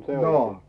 joo